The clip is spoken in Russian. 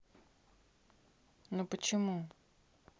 ну почему